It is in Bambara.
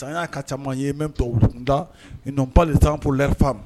San y'a ka caman ye mɛurudaba sanp